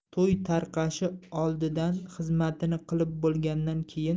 to'y tarqashi oldidan xizmatini qilib bo'lgandan keyin